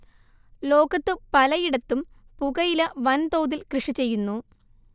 ലോകത്തു പലയിടത്തും പുകയില വൻതോതിൽ കൃഷി ചെയ്യുന്നു